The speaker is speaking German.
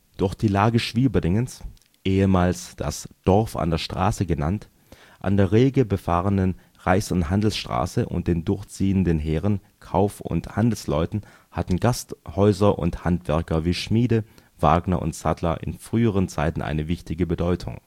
die Lage Schwieberdingens - ehemals das Dorf an der Straße genannt - an der rege befahrenen Reichs - und Handelsstraße und den durchziehenden Heeren, Kauf - und Handelsleuten hatten Gasthäuser und Handwerker wie Schmiede, Wagner und Sattler in früheren Zeiten eine wichtige Bedeutung